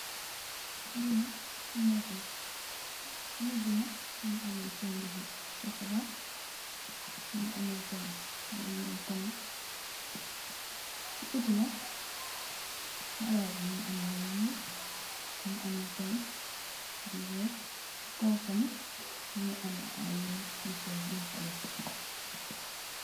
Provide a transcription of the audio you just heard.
Li nak neeg la neeg bi nak mongi ame sennga bu cxocola mongi ame tamit lu nuul tamit si biti nak marag bi mongi ame lu nuul mongi ame tamit lu weex si kaw tamit mongi ame ay weng su sew yun fa def.